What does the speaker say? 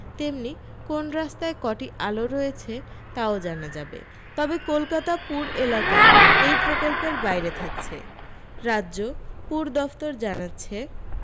তেমনি কোন রাস্তায় কটি আলো রয়েছে তাও জানা যাবে তবে কলকাতা পুর এলাকা এই প্রকল্পের বাইরে থাকছে রাজ্য পুর দফতর জানাচ্ছে